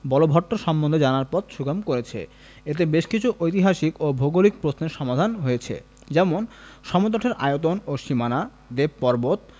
বলভট্ট সম্বন্ধে জানার পথ সুগম করেছে এতে বেশ কিছু ঐতিহাসিক ও ভৌগোলিক প্রশ্নের সমাধান হয়েছে যেমন সমতটের আয়তন ও সীমানা দেবপর্বত